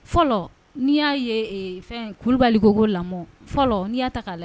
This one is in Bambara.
Fɔlɔ n'i y'a fɛn kulubali kogo lamɔ fɔlɔ n'i'a ta'a la